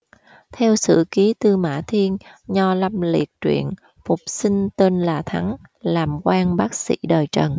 theo sử ký tư mã thiên nho lâm liệt truyện phục sinh tên là thắng làm quan bác sĩ đời tần